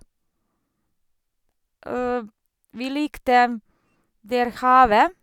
Vi likte det er havet.